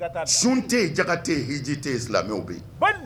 Sun tɛ yen jaka tɛ yen hji tɛ yen silamɛw bɛ yen